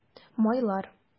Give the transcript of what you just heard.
Майлар